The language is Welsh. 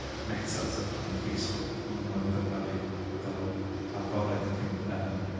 Meta sef cwmni Facebook, m- a ma' nhw'n darparu model agored ac yn yym